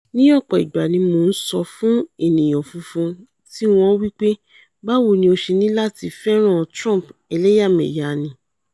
Ní ọ̀pọ̀ ìgbà ní Mo ńsọ fún ènìyàn funfun tíwọn wí pé: ''Báwo ni ó ṣe níláti fẹ́ràn Trump, ẹlẹ́yàmẹ̀yà ni?''